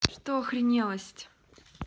что охренелость